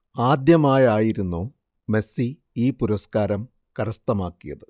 ആദ്യമായായിരുന്നു Messi ഈ പുരസ്കാരം കരസ്ഥമാക്കിയത്